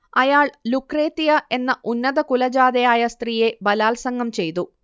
അയാൾ ലുക്രേത്തിയ എന്ന ഉന്നതകുലജാതയായ സ്ത്രീയെ ബലാത്സംഗം ചെയ്തു